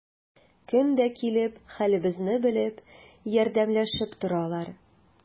Көн дә килеп, хәлебезне белеп, ярдәмләшеп торалар.